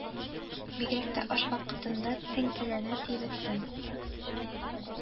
Бигрәк тә аш вакытында теңкәлэренә тиеп беттем